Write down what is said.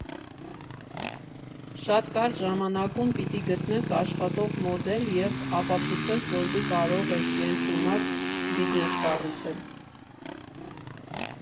Շատ կարճ ժամանակում պիտի գտնես աշխատող մոդել և ապացուցես, որ դու կարող ես կենսունակ բիզնես կառուցել։